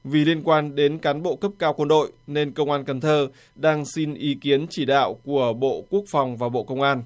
vì liên quan đến cán bộ cấp cao quân đội nên công an cần thơ đang xin ý kiến chỉ đạo của bộ quốc phòng và bộ công an